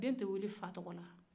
den tɛ weele fa tɔgɔ la